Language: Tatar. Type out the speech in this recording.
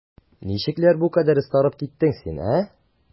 Ничекләр бу кадәр остарып киттең син, ә?